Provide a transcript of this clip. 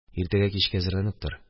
. иртәгә кичкә әзерләнеп тор